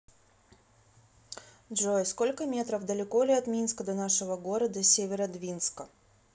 джой сколько метров далеко ли от минска до нашего города северодвинска